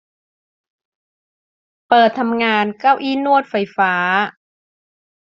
เปิดทำงานเก้าอี้นวดไฟฟ้า